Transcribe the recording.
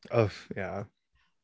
Oof Ie.